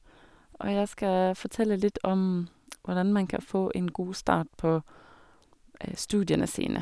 Og jeg skal fortelle litt om hvordan man kan få en god start på studiene sine.